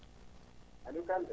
Aliou Kanté